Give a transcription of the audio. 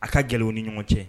A ka jeliww ni ɲɔgɔn cɛ